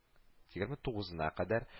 Егерме тугызына кадәр